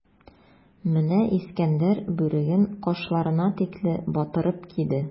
Менә Искәндәр бүреген кашларына тикле батырып киде.